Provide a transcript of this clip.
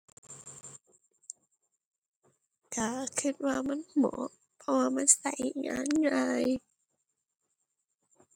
ก็ก็ว่ามันเหมาะ เพราะว่ามันก็งานง่าย